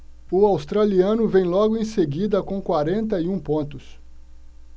o australiano vem logo em seguida com quarenta e um pontos